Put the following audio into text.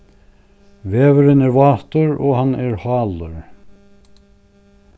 vegurin er vátur og hann er hálur